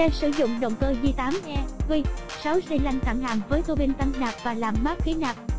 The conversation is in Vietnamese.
xe sử dụng động cơ j ewe xi lanh thẳng hàng với tuabin tăng nạp và làm mát khí nạp